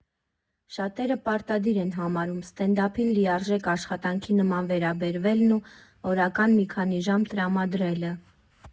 Շատերը պարտադիր են համարում սթենդափին լիարժեք աշխատանքի նման վերաբերվելն ու օրական մի քանի ժամ տրամադրելը։